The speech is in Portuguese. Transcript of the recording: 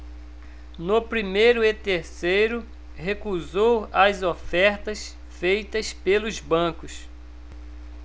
no primeiro e terceiro recusou as ofertas feitas pelos bancos